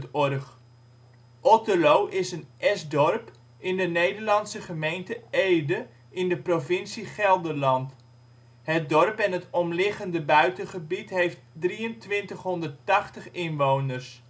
OL Otterlo Plaats in Nederland Situering Provincie Gelderland Gemeente Ede Coördinaten 52° 6′ NB, 5° 46′ OL Algemeen Inwoners (1-1-2006) 2380 Portaal Nederland Beluister (info) Otterlo is een esdorp in de Nederlandse gemeente Ede, provincie Gelderland. Het dorp en het omliggende buitengebied heeft 2380 (2006) inwoners